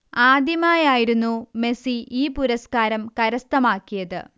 ആദ്യമായായിരുന്നു Messi ഈ പുരസ്കാരം കരസ്ഥമാക്കിയത്